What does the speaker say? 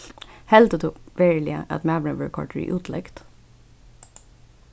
heldur tú veruliga at maðurin verður koyrdur í útlegd